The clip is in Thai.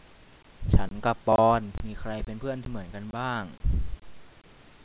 ฉันกับปอนด์มีใครเป็นเพื่อนที่เหมือนกันบ้าง